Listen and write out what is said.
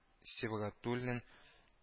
Сибагатуллин